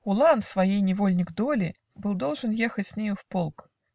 Улан, своей невольник доли, Был должен ехать с нею в полк.